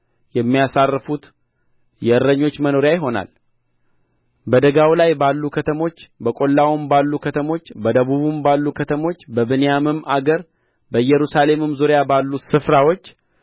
የሚያሳርፉት የእረኞች መኖሪያ ይሆናል በደጋው ላይ ባሉ ከተሞች በቈላውም ባሉ ከተሞች በደቡብም ባሉ ከተሞች በብንያምም አገር በኢየሩሳሌምም ዙሪያ ባሉ ስፍራዎች